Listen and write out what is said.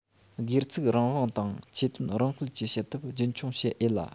སྒེར ཚུགས རང དབང དང ཆོས དོན རང སྤེལ གྱི བྱེད ཐབས རྒྱུན འཁྱོངས བྱེད འོས ལ